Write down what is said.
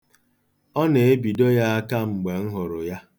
Ọ na-ebido ya aka mgbe m hụrụ ya.